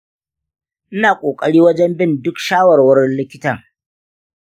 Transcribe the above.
ina ƙoƙari wajen bin duk shawarwarin likitan.